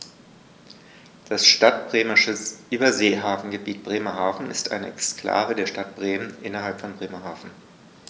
Das Stadtbremische Überseehafengebiet Bremerhaven ist eine Exklave der Stadt Bremen innerhalb von Bremerhaven.